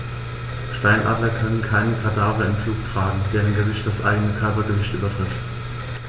Steinadler können keine Kadaver im Flug tragen, deren Gewicht das eigene Körpergewicht übertrifft.